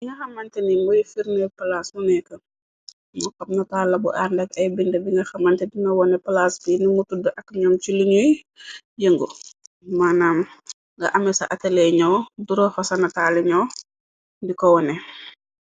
Li nga xamante ni mbuy firne palaas muneeka. Nyu xamna taala bu àrndak ay bind bi nga xamante dina wone palaas bi nimu tudd ak ñoom ci luñuy yëngu. Manam nga ame sa atelee ñoo durafa sana taali ñoo di ko wone.